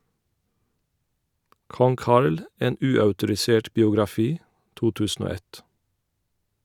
"Kong Carl, en uautorisert biografi", 2001.